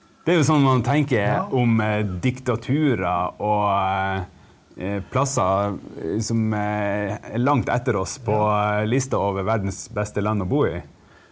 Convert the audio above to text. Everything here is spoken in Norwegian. det er jo sånn man tenker om diktaturer og plasser som er langt etter oss på lista over verdens beste land å bo i.